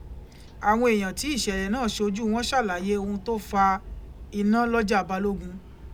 Àwọn èèyàn tí ìṣẹ̀lẹ̀ náà ṣojú wọn ṣàlàyé ohun tó fa iná lọ́jà Balógun